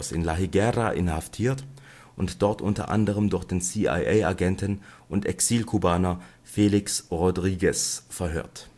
in La Higuera inhaftiert und dort unter anderem durch den CIA-Agenten und Exil-Kubaner Felix Rodríguez verhört